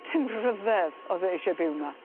Dim ryfedd o'dd e eisie byw 'ma.